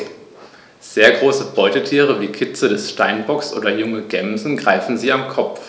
Sehr große Beutetiere wie Kitze des Steinbocks oder junge Gämsen greifen sie am Kopf.